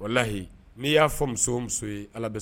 Walahi, n'i y'a fɔ muso o muso ye, Ala bɛ